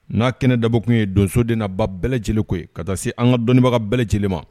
N'a kɛnɛ daboɔ kun ye donsoden n'a ba bɛɛ lajɛlen ko ye, ka taa se an ka dɔnnibaga bɛɛ lajɛlen ma